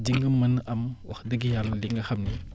di nga mën am wax dëgg Yàlla li nga xam ne